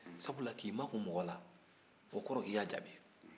sabula k'i makun mɔgɔ la o kɔrɔ de ye k'i y'a jaabi